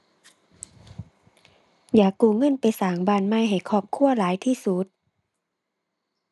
อยากกู้เงินไปสร้างบ้านใหม่ให้ครอบครัวหลายที่สุด